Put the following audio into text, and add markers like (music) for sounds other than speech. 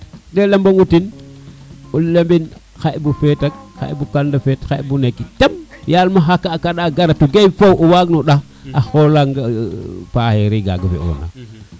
(music) de lemongo ten o lemin xaƴbo fetak xaƴ bo kala feet xaƴ bo nike tem yaal maxa kaɗaka gata ta ge it fo wo o waag no ɗaxo xolaang paxeri kaga fiyo na